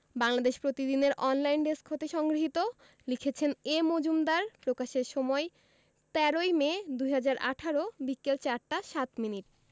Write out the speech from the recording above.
বাংলাদেশ প্রতিদিন এর online desk হতে সংগৃহীত লিখেছেনঃ এ মজুমদার প্রকাশের সময় ১৩মে ২০১৮ বিকেল ৪ টা ৭ মিনিট